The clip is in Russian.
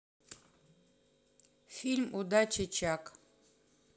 фильм удачи чак